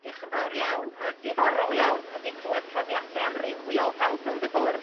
Diolch yn fawr iawn yy diddorol iawn ydi cl'wed profiade' amrywiol pawb rownd y bwrdd